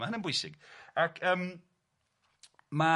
Mae hynna'n bwysig ac yym ma'